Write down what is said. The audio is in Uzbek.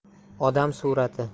odam surati